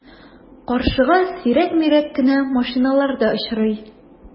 Каршыга сирәк-мирәк кенә машиналар да очрый.